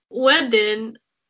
wedyn,